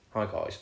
hi guys